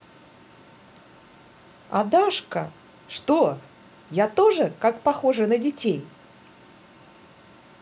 а дашка что я тоже как похоже на детей